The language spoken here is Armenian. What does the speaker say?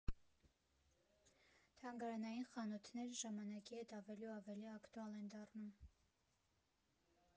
Թանգարանային խանութները ժամանակի հետ ավելի ու ավելի ակտուալ են դառնում։